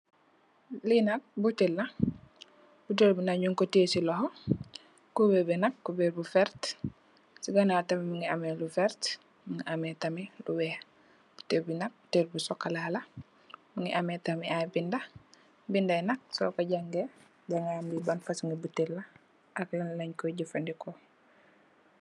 Li nak buteel la, buteel bi nak nung ko tè ci loho, cubèr bi nak cubèr bu vert. Ci ganaaw tamit mungi ameh lu vert, mungi ameh tamit lu weeh. Buteel bi nak buteel bi sokola, mungi ameh tamit ay binda. Binda yi nak soko jàngay daga hamli ban fasungi buteel la ak lan leen koy jafadeko.